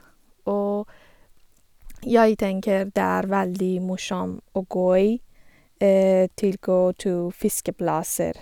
Og jeg tenker det er veldig morsom å gå i til gå to fiskeplasser.